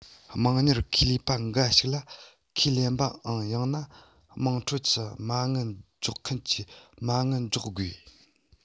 དམངས གཉེར ཁེ ལས པ འགའ ཞིག ལ ཁས ལེན པའམ ཡང ན དམངས ཁྲོད ཀྱི མ དངུལ འཇོག མཁན གྱི མ དངུལ འཇོག དགོས